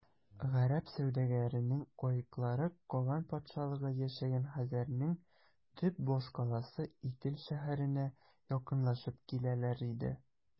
Гарәп сәүдәгәренең каеклары каган патшалыгы яшәгән хәзәрнең төп башкаласы Итил шәһәренә якынлашып киләләр иде.